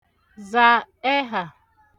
zà ẹhà